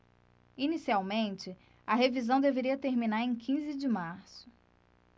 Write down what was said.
inicialmente a revisão deveria terminar em quinze de março